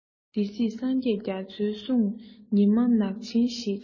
སྡེ སྲིད སངས རྒྱས རྒྱ མཚོའི གསུང ཉི མ ནག ཆེན ཞེས གྲགས པ